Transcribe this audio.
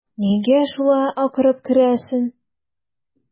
Нигә шулай акырып керәсең?